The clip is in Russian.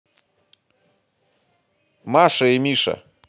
маша и миша